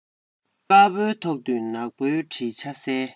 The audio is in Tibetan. དཀར པོའི ཐོག ཏུ ནག པོའི བྲིས ཆ གསལ